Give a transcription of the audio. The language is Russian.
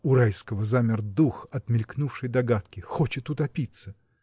У Райского замер дух от мелькнувшей догадки: хочет утопиться!